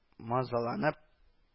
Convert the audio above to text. Мазаланып